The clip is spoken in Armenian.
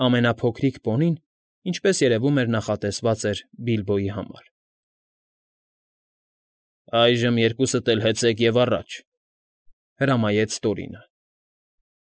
Ամենափոքրիկ պոնին, ինչպես երևում էր, նախատեսված էր Բիլբոյի համար։ ֊ Այժմ երկուսդ էլ հեծեք, և առաջ, ֊ հրամայեց Տորինը։ ֊